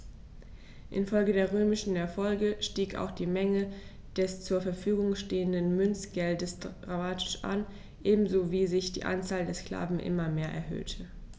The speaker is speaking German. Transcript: Infolge der römischen Erfolge stieg auch die Menge des zur Verfügung stehenden Münzgeldes dramatisch an, ebenso wie sich die Anzahl der Sklaven immer mehr erhöhte.